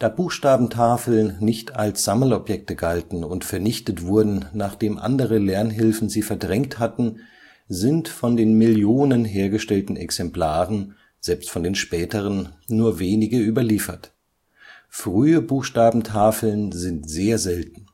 Buchstabentafeln nicht als Sammelobjekte galten und, nachdem andere Lernhilfen sie verdrängt hatten, vernichtet wurden, sind von den Millionen hergestellten Exemplaren – selbst von den späteren – nur wenige überliefert. Frühe Buchstabentafeln sind sehr selten